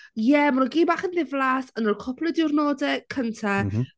Ie, maen nhw'n gyd bach yn ddiflas yn y cwpl o diwrnodau cynta... M-hm.